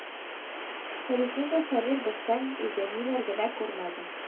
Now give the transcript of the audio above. Ә бит мин дә, Сабир, белсәң иде, ниләр генә күрмәдем